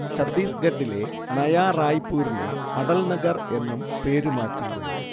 ഛത്തീസ്ഗഢിലെ നയാ റായ്പുരിനെ അടൽ നഗർ എന്നും പേരുമാറ്റിയിരുന്നു